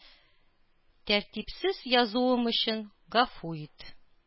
Тәртипсез язуым өчен гафу ит.